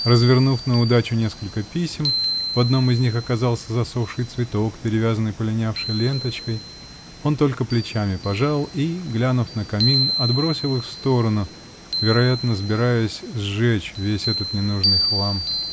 Развернув наудачу несколько писем (в одном из них оказался засохший цветок, перевязанный полинявшей ленточкой), -- он только плечами пожал и, глянув на камин, отбросил их в сторону, вероятно, сбираясь сжечь весь этот ненужный хлам.